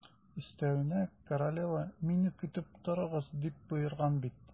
Өстәвенә, королева: «Мине көтеп торыгыз», - дип боерган бит.